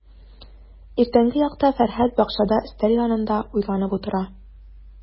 Иртәнге якта Фәрхәт бакчада өстәл янында уйланып утыра.